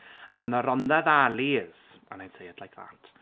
I'm from the Rhondda Valleys and I'd say it like that